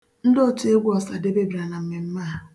Ndị otuegwu Ọsadebe bịara na mmemme a.